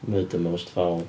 Murder Most Fowl.